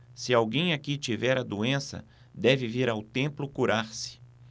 se alguém aqui tiver a doença deve vir ao templo curar-se